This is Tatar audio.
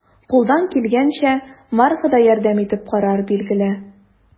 Кулдан килгәнчә Марфа да ярдәм итеп карар, билгеле.